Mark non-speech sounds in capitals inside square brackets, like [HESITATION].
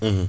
[HESITATION] [HESITATION]